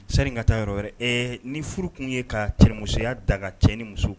Seri ka taa yɔrɔ ɛ ni furu tun ye ka cɛmusoya daga cɛ ni muso